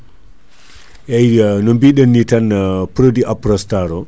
eyyi no biruɗen ni tan produit Aprostar o